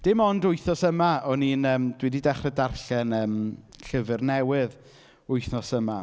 Dim ond wythnos yma o'n i'n yym... dwi 'di dechrau darllen yym llyfr newydd wythnos yma.